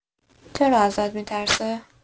چرا ازت می‌ترسه؟